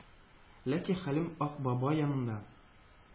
Ләкин Хәлим Ак бабай янында